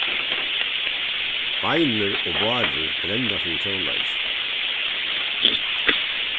beinir og bárður brenna fyri tónleiki